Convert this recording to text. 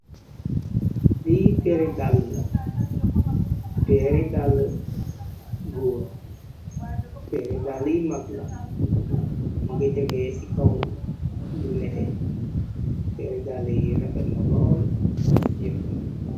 li peredalla pere dale goor pere dale yi magla magetege si kaw lunete pere dale yi rafenlol teh jekna.